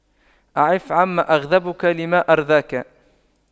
اعف عما أغضبك لما أرضاك